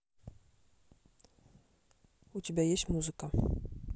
у тебя есть музыка